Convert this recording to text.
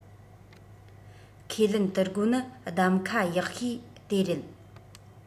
ཁས ལེན ཏིའོ སྒོ ནི གདམ ཁ ཡག ཤོས དེ རེད